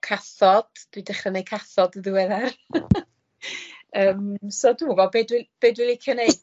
Cathod dwi dechra neu' cathod y ddiweddar. Yym so dw'm yn gwbod be' dwi be' dwi licio neud...